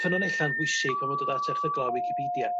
ma' ffynonella'n bwysig pan mo'n dod at erthygla Wicipidia